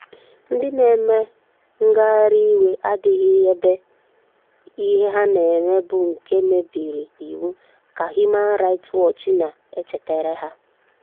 Ndị na-eme ngagharị iwe adịghị ebe ihe ha na-eme bụ nke mebiri iwu, ka Human Right Watch na-echetara ha: